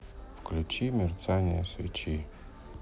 включи мерцание свечи